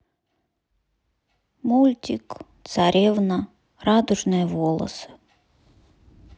мультик царевна радужные волосы